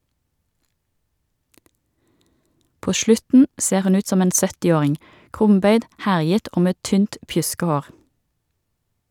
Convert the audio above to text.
På slutten ser hun ut som en 70-åring, krumbøyd, herjet og med tynt pjuskehår.